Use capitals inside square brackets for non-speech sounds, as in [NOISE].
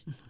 [HESITATION] [HESITATION]